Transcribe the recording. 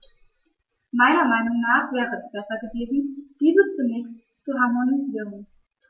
Meiner Meinung nach wäre es besser gewesen, diese zunächst zu harmonisieren.